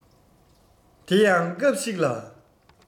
དེ ཡང སྐབས ཤིག ལ